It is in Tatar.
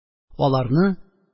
Аларны